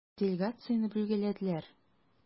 Делегацияне бүлгәләделәр.